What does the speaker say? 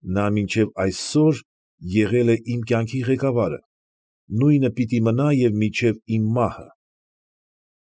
Նա մինչև այսօր եղել է իմ կյանքի ղեկավարը, նույնը պիտի մնա և մինչև իմ մահը։